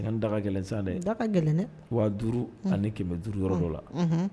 Daga gɛlɛnsan dɛ daga gɛlɛn dɛ wa duuru ani kɛmɛ duuru yɔrɔ yɔrɔ la